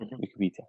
mhm... Wicipidia